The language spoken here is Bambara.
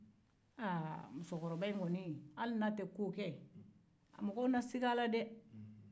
aa hali ni musokɔrɔba in te ko kɛ mɔgɔw na siga a la